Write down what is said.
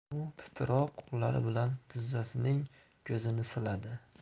u titroq qo'llari bilan tizzasining ko'zini siladi